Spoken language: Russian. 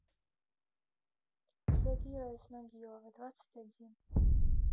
загира исмагилова двадцать один